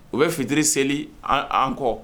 U bɛ fitiri seli an kɔ